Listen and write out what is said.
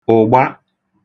ụ̀gba